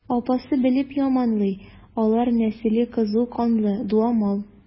Апасы белеп яманлый: алар нәселе кызу канлы, дуамал.